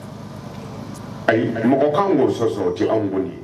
Ayi mɔgɔ kan k'o sɔsɔ o tɛ anw kɔni ye